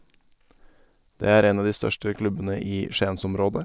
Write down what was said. Det er en av de største klubbene i Skiensområdet.